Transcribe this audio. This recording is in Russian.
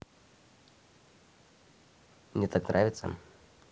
мне так нравится